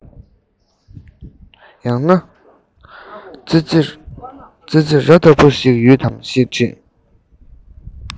འོ ན ཙི ཙི ར ལྟ བུ ཞིག ཡོད དམ ཞེས དྲིས